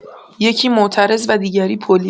یکی معترض و دیگری پلیس